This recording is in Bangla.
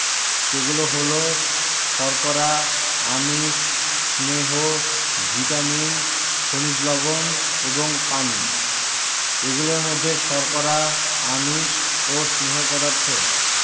সেগুলো হলো শর্করা আমিষ স্নেহ ভিটামিন খনিজ লবন এবং পানি এগুলোর মধ্যে শর্করা আমিষ ও স্নেহ পদার্থ